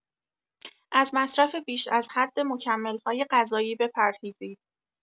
از مصرف بیش از حد مکمل‌های غذایی بپرهیزید.